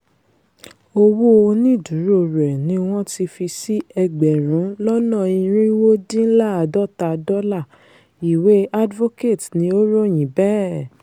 Owó oníìdúró rẹ̀ ní wọ́n ti fi sí ẹgbẹ̀rún-lọ́ná-irinwódíńlá́àádọ́ta dọ́la, ìwé Advocate ní ́o ìròyìn bẹẹ,